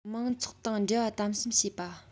མང ཚོགས དང འབྲེལ བ དམ ཟབ བྱེད པ